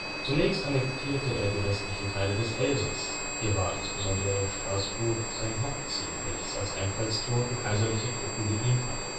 Zunächst annektierte er die restlichen Teile des Elsass, hier war insbesondere Straßburg sein Hauptziel, welches als Einfallstor für kaiserliche Truppen gedient hatte